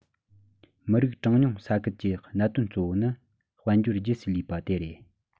མི རིགས གྲངས ཉུང ས ཁུལ གྱི གནད དོན གཙོ བོ ནི དཔལ འབྱོར རྗེས སུ ལུས པ དེ རེད